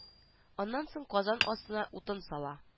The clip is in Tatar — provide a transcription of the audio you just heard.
Аннан соң казан астына утын сала